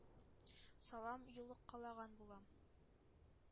Салам йолыккалаган булам.